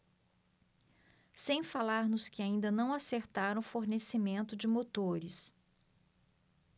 sem falar nos que ainda não acertaram o fornecimento de motores